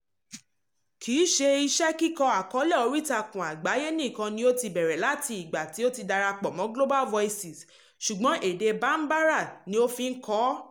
Kìí ṣe iṣẹ́ kíkọ àkọọ́lẹ̀ oríìtakùn àgbáyé nìkan ni o ti bẹ̀rẹ̀ láti ìgbà tí o ti darapọ̀ mọ́ Global Voices, ṣùgbọ́n èdè Bambara ni o fi ń kọ ọ́!